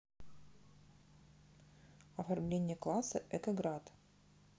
оформление класса экоград